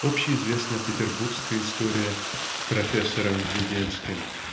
Общеизвестна петербургская история с профессором Введенским.